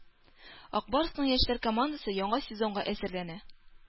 “ак барс”ның яшьләр командасы яңа сезонга әзерләнә